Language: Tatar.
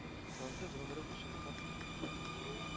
Сансыз гомрем өчен сатмадым.